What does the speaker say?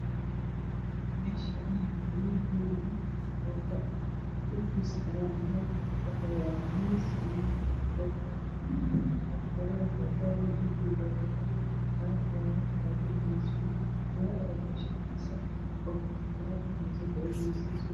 Meeshaani waa meel hool ah dhulkiisu cagaar yahay waxaa yaalo miisi iyo jaranjaro ayaa yaalo kalaradooda waa dahabi darbigana dahabi mara cagaaran ayaa suran gabar ayaa tagan oo heeseesa